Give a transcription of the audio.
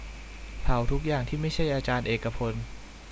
เผาทุกอย่างที่ไม่ใช่อาจารย์เอกพล